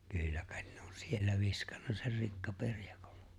kyllä kai ne on siellä viskannut sen rikkaperjakolle